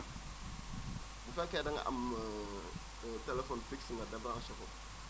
bu fekkee da nga am téléphone fixe nga débranché ko